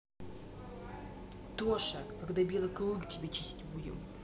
тоше когда белый клык тебе чистить будем